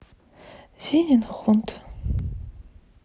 зинин хунд